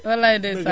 walay ndeysaan